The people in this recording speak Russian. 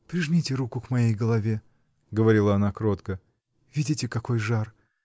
— Прижмите руку к моей голове, — говорила она кротко, — видите, какой жар.